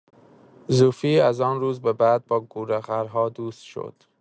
زوفی از آن روز به بعد با گورخرها دوست شد.